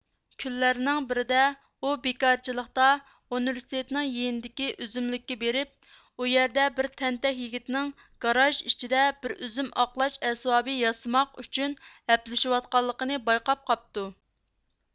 كۈنلەرنىڭ بىرىدە ئۇ بىكارچىلىقتا ئۇنىۋېرسىتېتىنىڭ يېنىدىكى ئۈزۈملۈككە بېرىپ ئۇ يەردە بىر تەنتەك يىگىتنىڭ گاراژ ئىچىدە بىر ئۈزۈم ئاقلاش ئەسۋابى ياسىماق ئۈچۈن ھەپىلىشىۋاتقانلىقىنى بايقاپ قاپتۇ